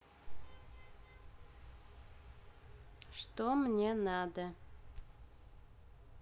что мне надо